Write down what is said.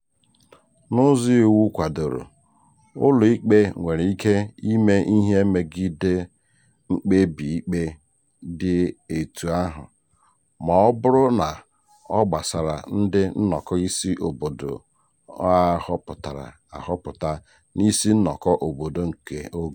N'ụzọ iwu kwadoro, ụlọ ikpe nwere ike ime ihe megide mkpebi ikpe dị etu ahụ ma ọ bụrụ na ọ gbasara ndị nnọkọ isi obodo a họpụtara ahọpụta na isi nnọkọ obodo nke ogo.